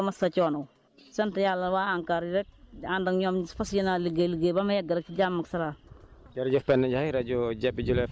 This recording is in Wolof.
ñu ngi koy sant di ko gërëm di ko masawu coono wu sant yàlla waa ANCAR yi rek di ànda ak ñoom si fas yéene liggéey liggéey ba mu egg rek si jàmm ak salaam